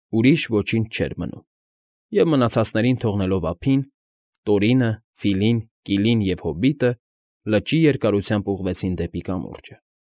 Ուրիշ ոչինչ չէր մնում, և, մնացածներին թողնելով ափին, Տորինը, Ֆիլին, Կիլին և հոբիտը լճի երկարությամբ ուղղվեցին դեպի կամուրջը։